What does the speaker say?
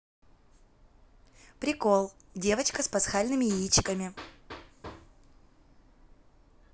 прикол девочка с пасхальными яичками